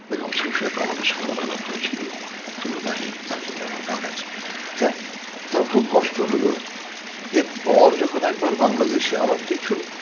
বেগম সুফিয়া কামালের সঙ্গে আমার আলাপ হয়েছিল তুলনাহীন তাকে নিয়ে আমার গান আছে তা তার খুব কষ্ট হল এরপর যখন একবার বাংলাদেশে আমার কিছু